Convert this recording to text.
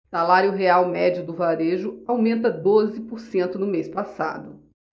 salário real médio do varejo aumenta doze por cento no mês passado